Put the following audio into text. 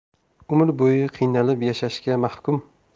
umr bo'yi qiynalib yashashga mahkum